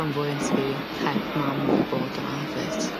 rho'n fywynt fi hep mam fi bod yna hefyd.